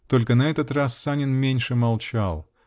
только на этот раз Санин меньше молчал.